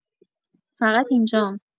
فقط اینجام.